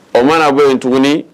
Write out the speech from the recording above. O mana bɔ yen tuguni